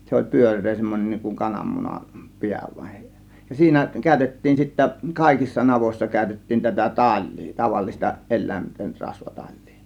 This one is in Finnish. se oli pyöreä semmoinen niin kuin kananmunan pää vain ja siinä käytettiin sitten kaikissa navoissa käytettiin tätä talia tavallista eläinten rasva talia